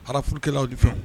Hafurukɛlawlaw de fɛ